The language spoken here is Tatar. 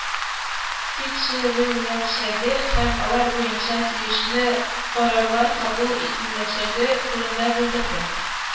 Тикшереләчәге һәм алар буенча тиешле карарлар кабул ителәчәге турында белдерде